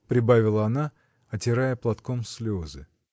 — прибавила она, отирая платком слезы.